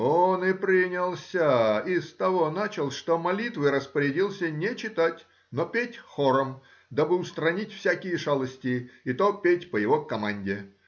Он и принялся и с того начал, что молитвы распорядился не читать, но петь хором, дабы устранить всякие шалости, и то петь по его команде.